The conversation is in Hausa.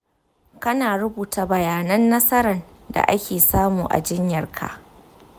kana rubuta bayanan nasaran da ake samu a jinyarka.